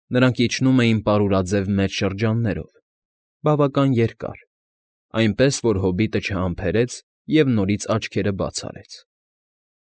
Նրանք իջնում էին պարուրաձև մեծ շրջաններով, բավական երկար, այնպես որ հոբիտը չհամբերեց և նորից աչքերը բաց արեց։